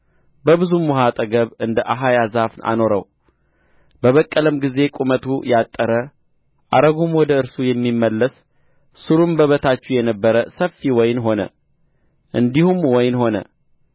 በብዙም ውኃ አጠገብ እንደ አኻያ ዛፍ አኖረው በበቀለም ጊዜ ቁመቱ ያጠረ አረጉም ወደ እርሱ የሚመለስ ሥሩም በበታቹ የነበረ ሰፊ ወይን ሆነ እንዲሁ ወይን ሆነ